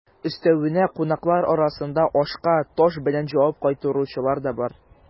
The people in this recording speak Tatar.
Өстәвенә, кунаклар арасында ашка таш белән җавап кайтаручылар да бар.